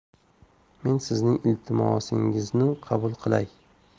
men sizning iltimosingizni qabul qilay